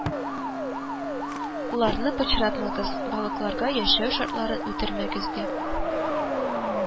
Ларны пычратмагыз, балыкларга яшәү шартларын үтермәгез, ди